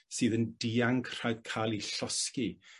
sydd yn dianc rhag cael 'u llosgi